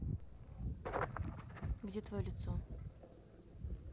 а где твое лицо